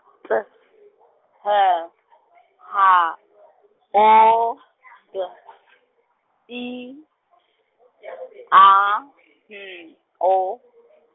T, L, H, O , D I, A N O.